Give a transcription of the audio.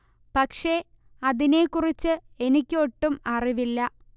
പക്ഷെ അതിനെ കുറിച്ച് എനിക്കൊട്ടും അറിവില്ല